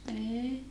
ei